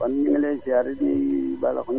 kon ñu ngi lay siyaare di baalu àq ñépp